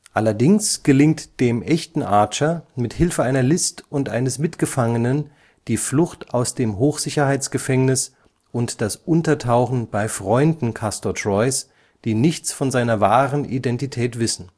Allerdings gelingt dem echten Archer mit Hilfe einer List und eines Mitgefangenen die Flucht aus dem Hochsicherheitsgefängnis und das Untertauchen bei Freunden Castor Troys, die nichts von seiner wahren Identität wissen